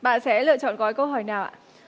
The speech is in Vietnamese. bạn sẽ lựa chọn gói câu hỏi nào ạ